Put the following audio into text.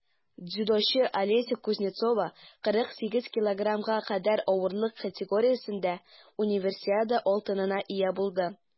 Дзюдочы Алеся Кузнецова 48 кг кадәр авырлык категориясендә Универсиада алтынына ия булды.